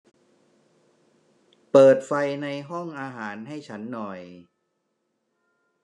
เปิดไฟในห้องอาหารให้ฉันหน่อย